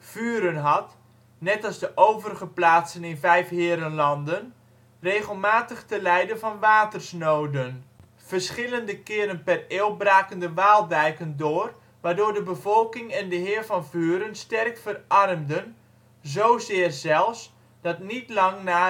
Vuren had, net als de overige plaatsen in Vijfheerenlanden, regelmatig te lijden van watersnoden. Verschillende keren per eeuw braken de Waaldijken door waardoor de bevolking en de heer van Vuren sterk verarmden, zozeer zelfs dat niet lang na